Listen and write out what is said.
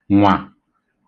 nwà